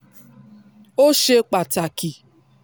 Ó ṣe pàtàkì.